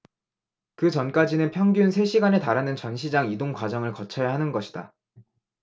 그 전까지는 평균 세 시간에 달하는 전시장 이동과정을 거쳐야 하는 것이다